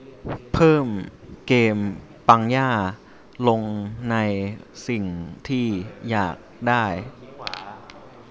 เพิ่มเกมปังย่าลงในสิ่งที่อยากได้